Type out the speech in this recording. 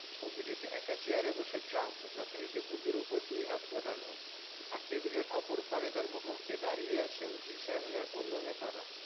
ছবিটিতে একা চেয়ারে বসে ট্রাম্প যথারীতি বুকের ওপর দুই হাত গোটানো আর টেবিলের অপর পারে তাঁর মুখোমুখি দাঁড়িয়ে আছেন জি সেভেনের এর অন্য নেতারা